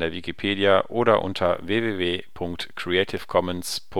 Videokanal YouTube [1